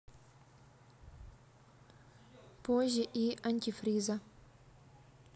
прозе и антифриза